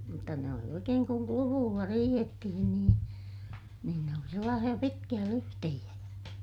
mutta ne oli oikein kun kluvuilla riihettiin niin niin ne oli sellaisia pitkiä lyhteitä